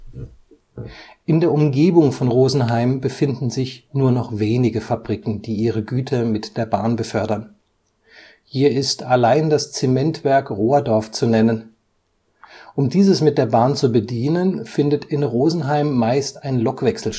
In der Umgebung von Rosenheim befinden sich nur noch wenige Fabriken, die ihre Güter mit der Bahn befördern. Hier ist allein das Zementwerk Rohrdorf zu nennen. Um dieses mit der Bahn zu bedienen, findet in Rosenheim meist ein Lokwechsel